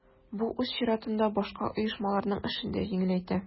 Бу үз чиратында башка оешмаларның эшен дә җиңеләйтә.